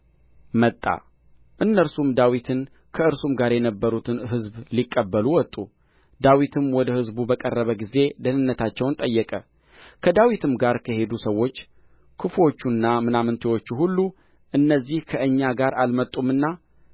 መጣ እነርሱም ዳዊትን ከእርሱም ጋር የነበሩትን ሕዝብ ሊቀበሉ ወጡ ዳዊትም ወደ ሕዝቡ በቀረበ ጊዜ ደኅንነታቸውን ጠየቀ ከዳዊትም ጋር ከሄዱ ሰዎች ክፉዎቹና ምናምንቴዎቹ ሁሉ እነዚህ ከእኛ ጋር አልመጡምና